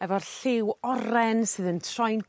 efo'r lliw oren sydd yn troi'n